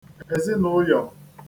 èzinụ̀ụyọ̀